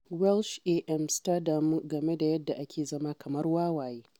Welsh AMs ta damu game da 'yadda ake zama kamar wawaye'